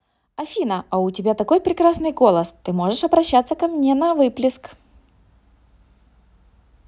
афина у тебя такой прекрасный голос ты можешь обращаться ко мне на выплеск